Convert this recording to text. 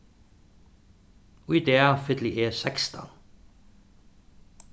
í dag fylli eg sekstan